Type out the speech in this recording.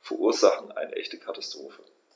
verursachten eine echte Katastrophe.